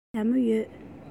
ང ལ ཞྭ མོ ཡོད